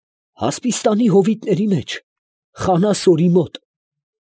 Հասպիստանի հովիտների մեջ, Խանա֊Սորի մոտ։